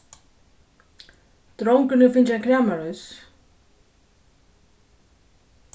drongurin hevur fingið ein kramarís